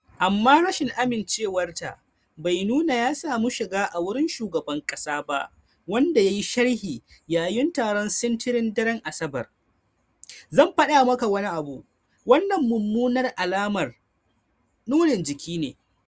Amma rashin amincewarta bai nuna ya samu shiga a wurin shugaban kasa ba, wanda ya yi sharhi yayin taron sintirin daren Asabar: “Zan fada maka wani abu, Wannan mummunan alamar nunin jiki ne.